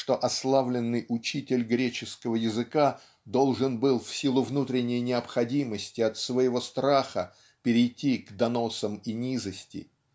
что ославленный учитель греческого языка должен был в силу внутренней необходимости от своего страха перейти к доносам и низости.